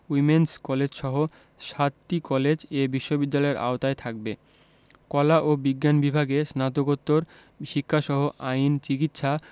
women's কলেজসহ সাতটি college এ বিশ্ববিদ্যালয়ের আওতায় থাকবে কলা ও বিজ্ঞান বিভাগে স্নাতকোত্তর শিক্ষাসহ আইন চিকিৎসা